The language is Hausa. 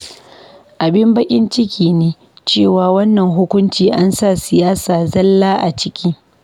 Abin bakin ciki ne cewa wannan hukunci ansa siyasa zalla aciki.